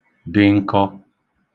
dị̄ n̄kọ̄